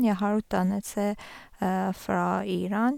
Jeg har utdannelse fra Iran.